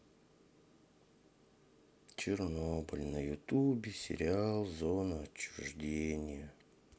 чернобыль на ютубе сериал зона отчуждения